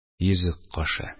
Йөзек кашы